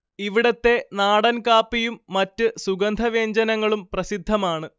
ഇവിടത്തെ നാടൻ കാപ്പിയും മറ്റ് സുഗന്ധവ്യഞ്ജനങ്ങളും പ്രസിദ്ധമാണ്